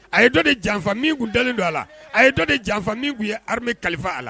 A ye dɔn ni janfa min tun dalen don a la a ye dɔn ni janfa min tun ye hami kalifa a la